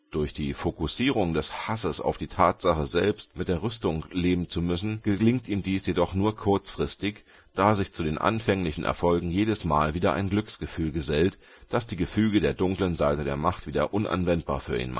Durch die Fokussierung des Hasses auf die Tatsache selbst, mit der Rüstung leben zu müssen, gelingt ihm dies jedoch nur kurzfristig, da sich zu den anfänglichen Erfolgen jedesmal ein Glücksgefühl gesellt, das das Gefüge der dunklen Seite der Macht wieder unanwendbar für ihn